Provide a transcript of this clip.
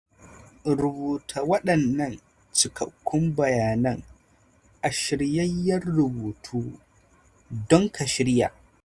Rubuta wadannan cikakkun bayanan a shiryayyen rubutu don ka shirya.